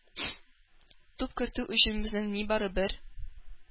Туп кертү өчен безнең нибары – бер,